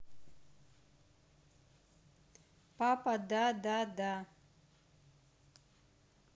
папа да да да